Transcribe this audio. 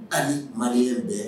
Ayi maliri yɛrɛ dɛ